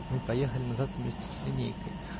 Мы поехали назад вместе с линейкой.